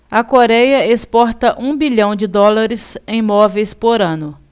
a coréia exporta um bilhão de dólares em móveis por ano